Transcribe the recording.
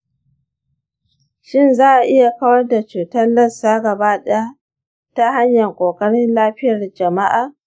shin za a iya kawar da cutar lassa gaba ɗaya ta hanyar ƙoƙarin lafiyar jama’a?